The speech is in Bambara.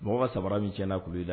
Mɔgɔ samara min ti na kulu la